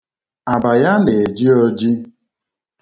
Aba ya na-eji oji.